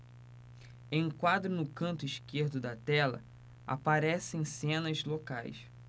em um quadro no canto esquerdo da tela aparecem cenas locais